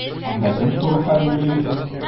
Анда кем сугыша дип уйлыйсыз?